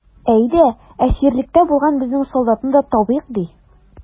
Әйдә, әсирлектә булган безнең солдатны да табыйк, ди.